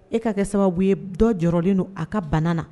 E kaa kɛ sababu ye dɔ jɔyɔrɔlen don a ka banaana